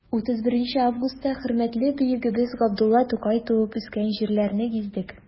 31 августта хөрмәтле бөегебез габдулла тукай туып үскән җирләрне гиздек.